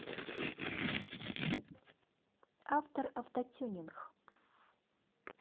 автор автотюнинг